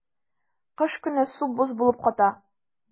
Кыш көне су боз булып ката.